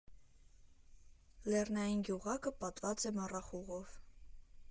Լեռնային գյուղակը պատված է մառախուղով։